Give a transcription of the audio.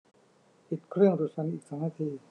ปิดเครื่องดูดควันอีกสองนาที